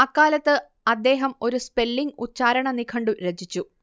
അക്കാലത്ത് അദ്ദേഹം ഒരു സ്പെല്ലിങ്ങ് ഉച്ചാരണ നിഘണ്ടു രചിച്ചു